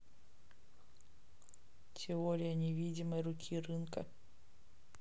теория невидимой руки рынка